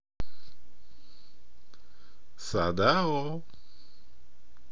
садао